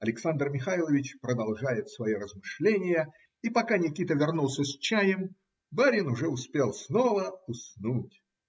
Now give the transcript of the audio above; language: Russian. Александр Михайлович продолжает свои размышления, и пока Никита вернулся с чаем, барин уже успел снова уснуть.